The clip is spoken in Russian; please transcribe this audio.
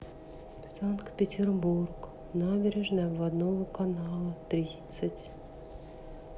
санкт петербург набережная обводного канала тридцать